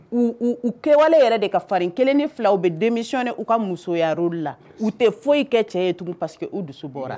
U u u kɛwale yɛrɛ de ka farin 1 ni 2 u bɛ démissionner u ka musoya role la u tɛ foyi kɛ cɛ ye tugun parce que u dusu bɔɔra